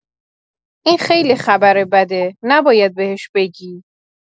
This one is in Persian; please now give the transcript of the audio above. این خیلی خبر بده نباید بهش بگی